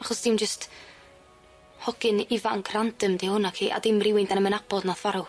Achos ti'm jyst hogyn ifanc random di hwn naci a dim rywun dani'm yn nabod nath farw.